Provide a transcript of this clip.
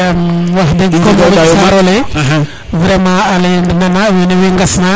yam wax degg vraiment ale nana wene mbay ngas na